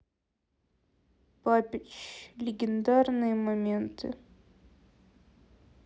папич легендарные моменты